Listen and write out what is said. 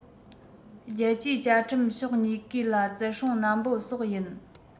རྒྱལ སྤྱིའི བཅའ ཁྲིམས ཕྱོགས གཉིས ཀས ལ བརྩི སྲུང ནན པོ སོགས ཡིན